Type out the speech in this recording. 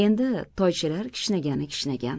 endi toychalar kishnagani kishnagan